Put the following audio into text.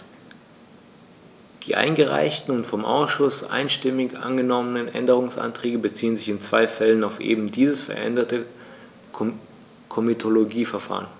Die eingereichten und vom Ausschuss einstimmig angenommenen Änderungsanträge beziehen sich in zwei Fällen auf eben dieses veränderte Komitologieverfahren.